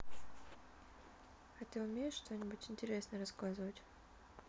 а ты умеешь что нибудь интересное рассказывать